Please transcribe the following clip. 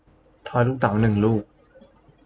ทอยลูกเต๋าหนึ่งลูก